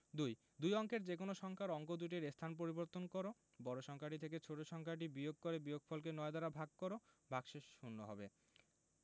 ২ দুই অঙ্কের যেকোনো সংখ্যার অঙ্ক দুইটির স্থান পরিবর্তন কর বড় সংখ্যাটি থেকে ছোট ছোট সংখ্যাটি বিয়োগ করে বিয়োগফলকে ৯ দ্বারা ভাগ দাও ভাগশেষ শূন্য হবে